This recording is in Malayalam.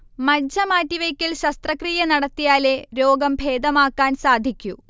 മജ്ജ മാറ്റിവെക്കൽ ശസ്ത്രക്രിയ നടത്തിയാലേ രോഗംഭേദമാക്കാൻ സാധിക്കൂ